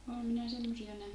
olen minä semmoisia nähnyt